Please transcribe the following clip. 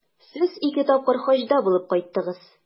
Сез ике тапкыр Хаҗда булып кайттыгыз.